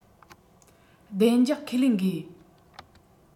བདེ འཇགས ཁས ལེན དགོས